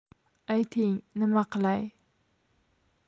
ayting nima qilay